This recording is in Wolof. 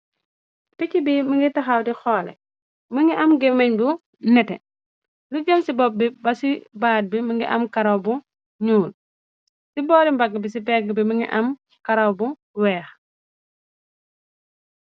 picc bi më ngi taxaw di xoole më ngi am gémeñ bu nete lu jem ci bop bi ba ci baat bi mëngi am karaw bu nuul ci boori mbagg bi ci pegg bi më ngi am karaw bu weex